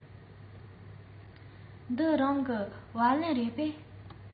འདི རང གི སྦ ལན རེད པས